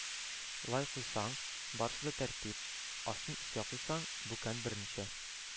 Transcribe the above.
Лай куйсаң, барысы да тәртип, астын өскә куйсаң, бүкән берничә